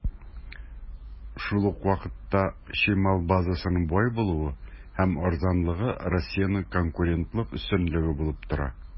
Шул ук вакытта, чимал базасының бай булуы һәм арзанлыгы Россиянең конкурентлык өстенлеге булып тора.